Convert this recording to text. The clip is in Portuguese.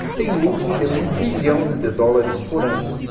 tem lucro de um bilhão de dólares por ano